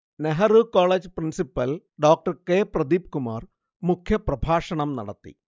Nehru college principal Dr K Pradeepkumar മുഖ്യപ്രഭാഷണം നടത്തി